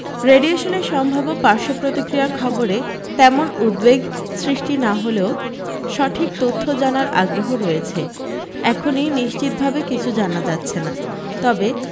রেডিয়েশনের সম্ভাব্য পার্শ্ব প্রতিক্রিয়ার খবরে তেমন উদ্বেগ সৃষ্টি না হলেও সঠিক তথ্য জানার আগ্রহ রয়েছে এখনি নিশ্চিতভাবে কিছু জানা যাচ্ছেনা তবে